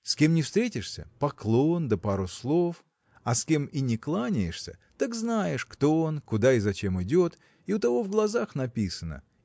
С кем ни встретишься – поклон да пару слов а с кем и не кланяешься так знаешь кто он куда и зачем идет и у того в глазах написано